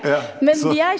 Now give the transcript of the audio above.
ja så.